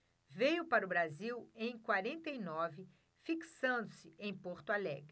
veio para o brasil em quarenta e nove fixando-se em porto alegre